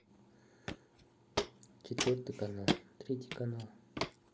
четвертый канал третий канал